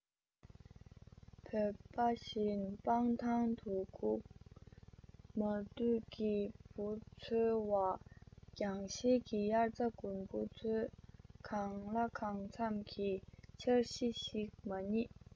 བོད པ བཞིན སྤང ཐང དུ གུག མ དུད ཀྱིས འབུ འཚོལ བ རྒྱང ཤེལ གྱིས དབྱར རྩྭ དགུན འབུ འཚོལ གང ལ གང འཚམ གྱི འཆར གཞི ཞིག མ རྙེད